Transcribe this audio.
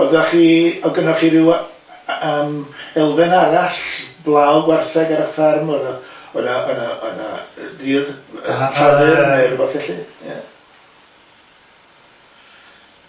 O'dda chi o'dd gynnoch chi ryw yy yym elfen arall blaw gwartheg ar y ffarm oedd o oedd yy oedd yy oedd yy ryw yy yy yy neu rywbeth felly?